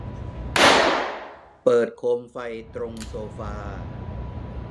เปิดโคมไฟตรงโซฟา